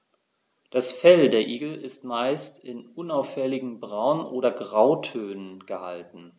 Das Fell der Igel ist meist in unauffälligen Braun- oder Grautönen gehalten.